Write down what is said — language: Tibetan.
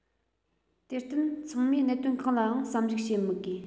དེར བརྟེན ཚང མས གནད དོན གང ལའང བསམ གཞིགས བྱ མི དགོས